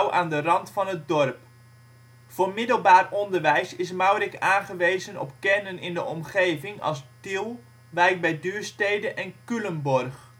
aan de rand van het dorp. Voor middelbaar onderwijs is Maurik aangewezen op kernen in de omgeving als Tiel, Wijk bij Duurstede en Culemborg